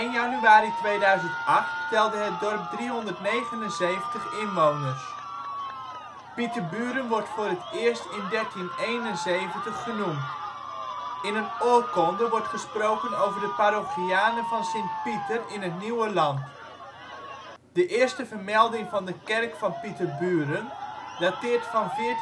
januari 2008 telde het dorp 379 inwoners. Pieterburen wordt voor het eerst in 1371 genoemd. In een oorkonde wordt gesproken over de parochianen van Sint Pieter in het nieuwe land. De eerste vermelding van de kerk van Pieterburen dateert van 1448